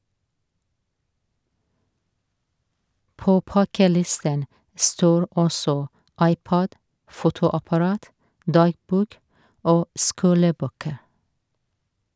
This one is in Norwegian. På pakkelisten står også iPod, fotoapparat, dagbok - og skolebøker.